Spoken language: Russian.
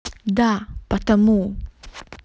да потому